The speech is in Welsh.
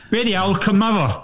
Be ddiawl, cyma fo!